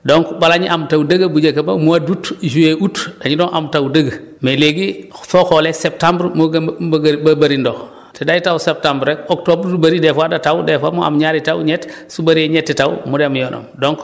donc balaa ñuy am taw dëgg bu njëkk ba mois d' août juillet août dañu doon am taw dëgg mais léegi soo xoolee septembre moo gën ba bëri ba bëri ndox te day taw septembre ak octobre lu bëri des fois day taw des fois mu am ñaari taw ñett su bëree ñetti taw mu dem yoonam